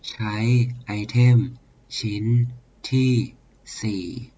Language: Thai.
ใช้ไอเทมชิ้นที่สี่